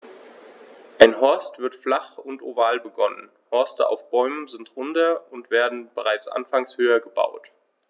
Ein Horst wird flach und oval begonnen, Horste auf Bäumen sind runder und werden bereits anfangs höher gebaut.